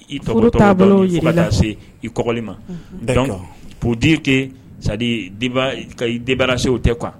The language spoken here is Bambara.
I taabolose i kɔli ma po di kɛ sabarasew tɛ kuwa